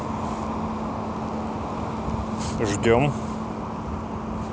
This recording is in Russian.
ждем